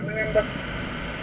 na ngeen def